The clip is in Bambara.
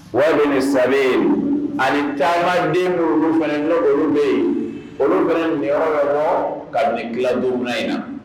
Walil salim ani taamaden minnu fana, n'olu fana bɛ yen, olu fana ninyɔrɔ bɛ bɔ ka jɛ tilancɛ 5 na in na